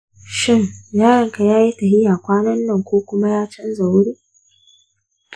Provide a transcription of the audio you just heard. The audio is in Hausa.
shin yaronka ya yi tafiya kwanan nan ko kuma ya canza wuri?